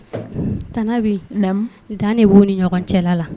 Tan bɛ dan de b' ni ɲɔgɔn cɛla la